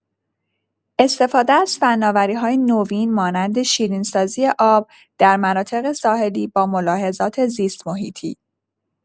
استفاده از فناوری‌های نوین مانند شیرین‌سازی آب در مناطق ساحلی با ملاحظات زیست‌محیطی